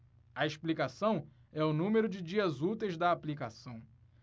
a explicação é o número de dias úteis da aplicação